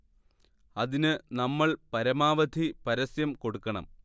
അതിന് നമ്മൾ പരമാവധി പരസ്യം കൊടുക്കണം